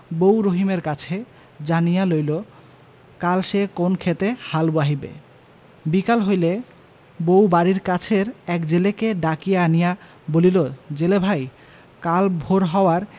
বউ রহিমের কাছে জানিয়া লইল কাল সে কোন ক্ষেতে হাল বাহিবে বিকাল হইলে বউ বাড়ির কাছের এক জেলেকে ডাকিয়া আনিয়া বলিল জেলে ভাই কাল ভোর হওয়ার